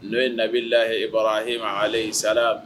N'o ye nabilahi Ibrahim